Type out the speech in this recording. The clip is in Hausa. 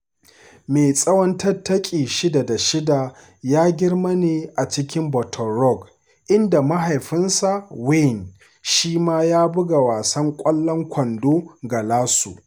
Mai tsawon tattaki 6 da 6 ya girma ne a cikin Baton Rouge, inda mahaifinsa, Wayne, shi ma ya buga wasan ƙwallon kwando ga LSU.